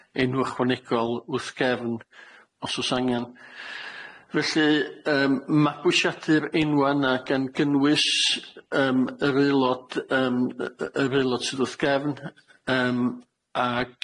enw ychwanegol w- wrth gefn os o's angan. Felly yym mabwysiadu'r enwa' 'na, gan gynnwys yym yr aelod yym yy yr aelod sydd wrth gefn, yym ag